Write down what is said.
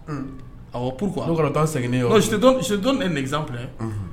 Awɔ pourquoi ? Je te donne un exemple hein